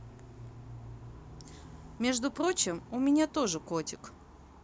между прочим у меня тоже котик